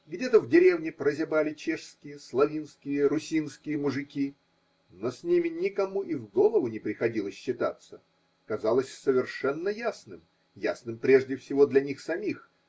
Где-то в деревне прозябали чешские, словинские, русинские мужики, но с ними никому и в голову не приходило считаться: казалось совершенно ясным, ясным прежде всего для них самих.